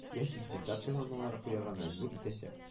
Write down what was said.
Яки хисап җайланмалары куярга мәҗбүр итәчәк